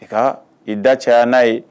Nka i da caya n'a ye